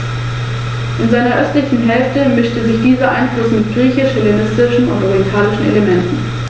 In seiner östlichen Hälfte mischte sich dieser Einfluss mit griechisch-hellenistischen und orientalischen Elementen.